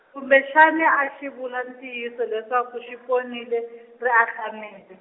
kumbexani a xi vula ntiyiso leswaku xi ponile, ri ahlamile.